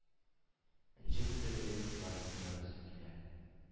Энҗе бөртегедәй кызлары дилбәр үсеп килә.